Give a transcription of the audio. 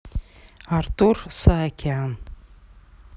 артур саакян